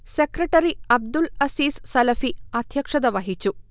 secretary Abdul Aziz Salafi അധ്യക്ഷത വഹിച്ചു